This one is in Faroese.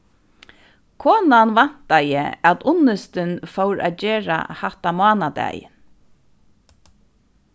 konan væntaði at unnustin fór at gera hatta mánadagin